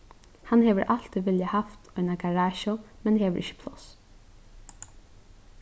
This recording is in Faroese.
hann hevur altíð viljað havt eina garasju men hevur ikki pláss